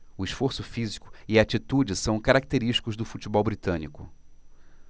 o esforço físico e a atitude são característicos do futebol britânico